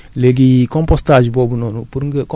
wala urée ak tamit dafay soxla ndox